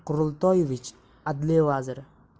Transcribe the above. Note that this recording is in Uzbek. quroltoyevich adliya vaziri